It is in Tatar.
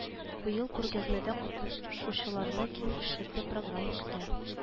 Быел күргәзмәдә катнашучыларны киң эшлекле программа көтә